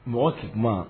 Mɔgɔ sigi